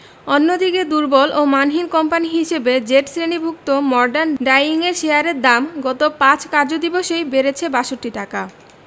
অন্যদিকে দুর্বল ও মানহীন কোম্পানি হিসেবে জেড শ্রেণিভুক্ত মর্ডান ডায়িংয়ের শেয়ারের দাম গত ৫ কার্যদিবসেই বেড়েছে ৬২ টাকা